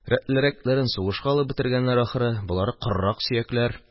Рәтлерәкләрен сугышка алып бетергәннәр, ахры, болары – корырак сөякләр.